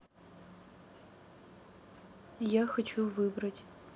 я хочу выбрать